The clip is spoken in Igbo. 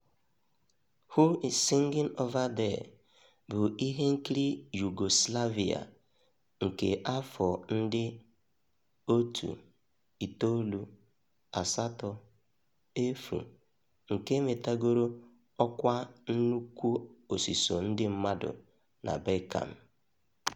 Who's Singin' Over There? bụ ihe nkiri Yugoslavia nke afọ ndị 1980 nke nwetagoro ọkwa nnukwu osiso ndị mmadụ na Balkan.